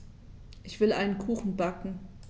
Ich will einen Kuchen backen.